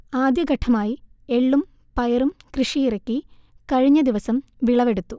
ആദ്യഘട്ടമായി എള്ളും പയറും കൃഷിയിറക്കി കഴിഞ്ഞദിവസം വിളവെടുത്തു